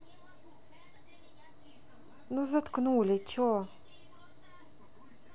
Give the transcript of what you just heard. ну заткнули че